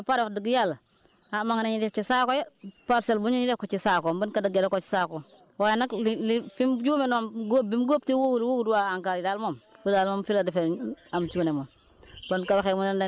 bim ko góobee ba pare wax dëgg yàlla ah ma nga nee ñu def ca saako ya parcelle bu ne ñu def ko ci saako bañ ko daggee def ko ci saako waaye nag li li fim juumee moom góob bim góob te woowul woowul waa ANCAR yi daal moom foofu daal moom fi la defee am cuune moom